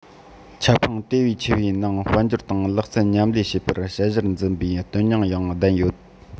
ཁྱབ ཁོངས དེ བས ཆེ བའི ནང དཔལ འབྱོར དང ལག རྩལ མཉམ ལས བྱེད པར དཔྱད གཞིར འཛིན པའི དོན སྙིང ཡང ལྡན ཡོད